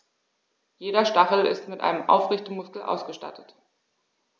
Jeder Stachel ist mit einem Aufrichtemuskel ausgestattet.